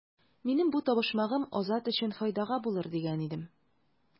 Минем бу табышмагым Азат өчен файдага булыр дигән идем.